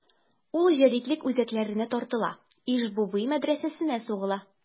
Ул җәдитлек үзәкләренә тартыла: Иж-буби мәдрәсәсенә сугыла.